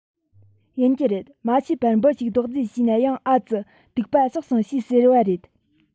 ཡིན གྱི རེད མ ཤེས པར འབུ ཞིག རྡོག རྫིས བྱས ན ཡང ཨ ཙི སྡིག པ བསགས སོང ཞེས ཟེར བ རེད